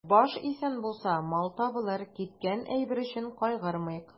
Баш исән булса, мал табылыр, киткән әйбер өчен кайгырмыйк.